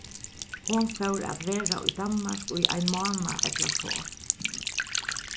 hon fór at vera í danmark í ein mánað ella so